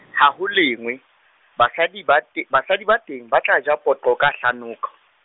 ha ho lengwe, basadi ba te- basadi ba teng batla ja poqo ka hlanaka.